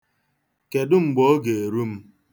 Kedụ mgbe ọ ga-eru m?